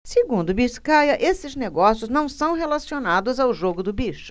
segundo biscaia esses negócios não são relacionados ao jogo do bicho